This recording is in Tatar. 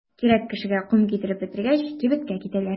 Кирәк кешеләргә ком китереп бетергәч, кибеткә китәләр.